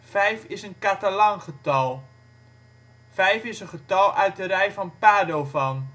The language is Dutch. Vijf is een Catalan-getal. Vijf is een getal uit de rij van Padovan